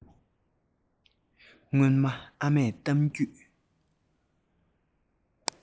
སྔོན མ ཨ མས གཏམ རྒྱུད